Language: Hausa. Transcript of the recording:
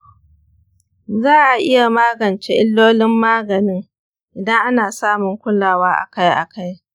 za'a iya magance illolin maganin idan ana samun kulawa akai akai.